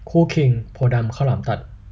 คู่คิงโพธิ์ดำข้าวหลามตัด